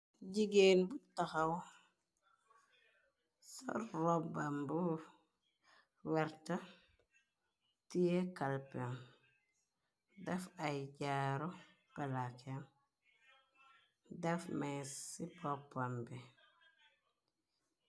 Jigeen bu taxaw sor ropbamb werta tie calpim daf ay jaaru balake def may ci poppam bi.